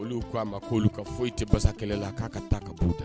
Olu k' a ma'olu ka foyi tɛ pasa kɛlɛ la k'a ka taa ka bon tɛ